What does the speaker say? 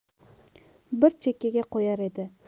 bir chekkaga qo'yar edi